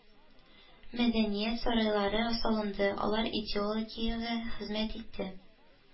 Мәдәният сарайлары салынды, алар идеологиягә хезмәт итте.